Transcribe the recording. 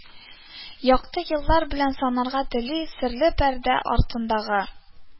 Якты еллар белән санарга тели, серле пәрдә артындагы